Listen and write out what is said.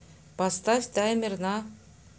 поставь таймер на